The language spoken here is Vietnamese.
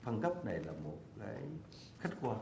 thăng cấp này là một cái khách quan